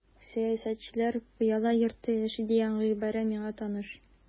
Сәясәтчеләр пыяла йортта яши дигән гыйбарә миңа таныш.